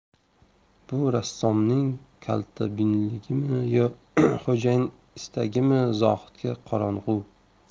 bu rassomning kaltabinligimi yo xo'jayin istagimi zohidga qorong'u